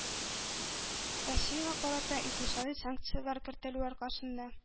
Россиягә карата икътисади санкцияләр кертелү аркасында,